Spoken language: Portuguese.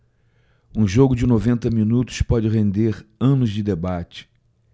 um jogo de noventa minutos pode render anos de debate